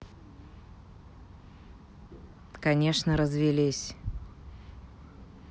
конечно развелись